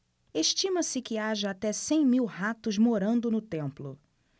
estima-se que haja até cem mil ratos morando no templo